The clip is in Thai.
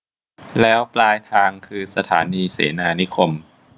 แล้วปลายทางคือสถานีเสนานิคม